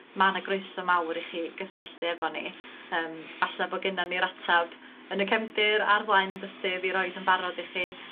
ma' 'na groeso mawr i chi gysylltu efo ni yym falle bo' gennon ni'r atab yn y cefndir a'r flaen 'yn bysedd i roid yn barod i chi